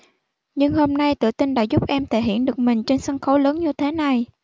nhưng hôm nay tự tin đã giúp em thể hiện được mình trên sân khấu lớn như thế này